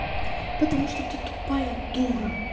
потому что ты тупая дура